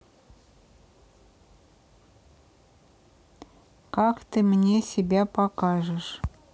как ты мне себя покажешь